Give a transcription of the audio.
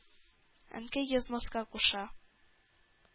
Әнкәй язмаска куша.